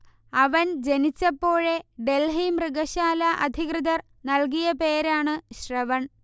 അവൻ ജനിച്ചപ്പോഴേ ഡൽഹി മൃഗശാലാ അധികൃതർ നൽകിയ പേരാണ് ശ്രവൺ